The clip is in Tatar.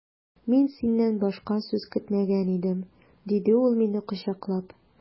Мин синнән башка сүз көтмәгән идем, диде ул мине кочаклап.